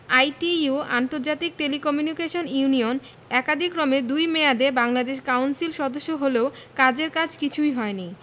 ITU আন্তর্জাতিক telecommunication union একাদিক্রমে দুই মেয়াদে বাংলাদেশ কাউন্সিল সদস্য হলেও কাজের কাজ কিছুই হয়নি